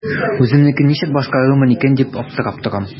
Үземнекен ничек башкарырмын икән дип аптырап торам.